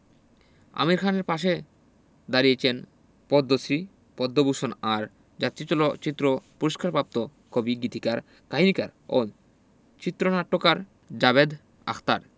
আমির খানের পাশে দাঁড়িয়েছেন পদ্মশ্রী পদ্মভূষণ আর জাতীয় চলচ্চিত্র পুরস্কার প্রাপ্ত কবি গীতিকার কাহিনিকার ও চিত্রনাট্যকার জাভেদ আখতার